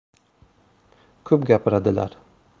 ko'p gapiradilar